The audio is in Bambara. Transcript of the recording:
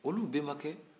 olu benbakɛ